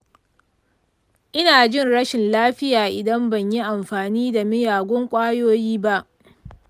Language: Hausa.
ina jin rashin lafiya idan ban yi amfani da miyagun ƙwayoyi ba.